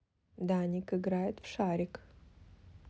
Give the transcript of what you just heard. даник играет в шарик